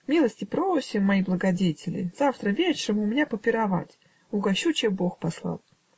Милости просим, мои благодетели, завтра вечером у меня попировать угощу, чем бог послал".